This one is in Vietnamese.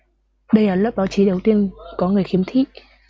đây là lớp báo chí đầu tiên có người khiếm thị